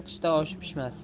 qishda oshi pishmas